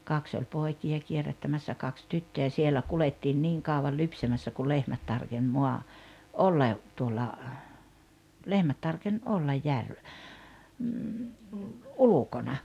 kaksi oli poikia kierrättämässä kaksi tyttöjä siellä kuljettiin niin kauan lypsämässä kun lehmät tarkeni - olla tuolla lehmät tarkeni olla - ulkona